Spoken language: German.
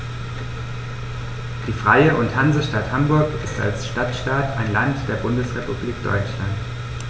Die Freie und Hansestadt Hamburg ist als Stadtstaat ein Land der Bundesrepublik Deutschland.